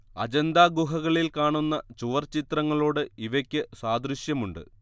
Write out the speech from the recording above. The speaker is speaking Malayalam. അജന്താ ഗുഹകളിൽ കാണുന്ന ചുവർ ചിത്രങ്ങളോട് ഇവയ്ക്ക് സാദൃശ്യമുണ്ട്